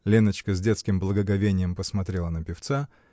" Леночка с детским благоговением посмотрела на певца.